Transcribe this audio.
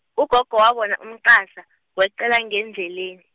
ugogo wabona umqasa, weqela ngendleleni.